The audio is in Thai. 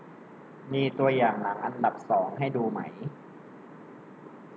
มีตัวอย่างหนังอันดับสองให้ดูไหม